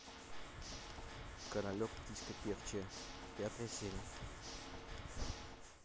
королек птичка певчая пятая серия